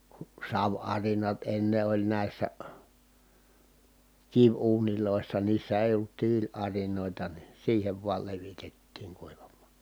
kun saviarinat ennen oli näissä kiviuunissa niissä ei ollut tiiliarinoita niin siihen vain levitettiin kuivamaan